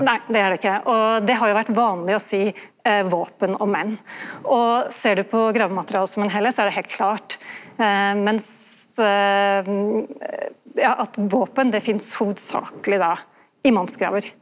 nei det er det ikkje og det har jo vore vanleg å seie våpen og menn og ser du på gravmaterialet som ein heilskap så er det heilt klart mens ja at våpen det finst hovudsakleg då i mannsgraver.